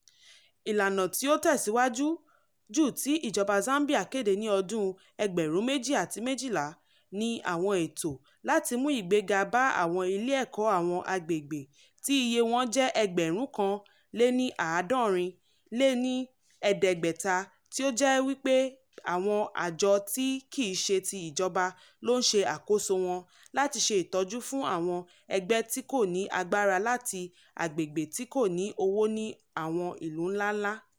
Ìlànà tí ó tẹ̀síwájú jù tí ìjọba Zambia kéde ní ọdún 2012 ni àwọn ètò láti mú ìgbéga bá àwọn ilé ẹ̀kọ́ àwọn àgbègbè tí iye wọn jẹ́ ẹgbẹ̀rún kan lé ní àádọ́rin lé ní ẹ̀ẹ́dẹ́gbẹ̀ta tí ó jẹ́ wí pé àwọn àjọ tí kìí ṣe ti ìjọba ló ń ṣe àkóso wọn láti ṣe ìtọ́jú fún àwọn ẹgbẹ́ tí kò ní agbára láti àgbègbè tí kò ní owó ní àwọn ìlú ńlá ńlá.